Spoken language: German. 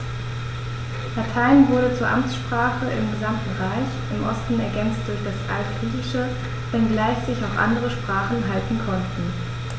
Latein wurde zur Amtssprache im gesamten Reich (im Osten ergänzt durch das Altgriechische), wenngleich sich auch andere Sprachen halten konnten.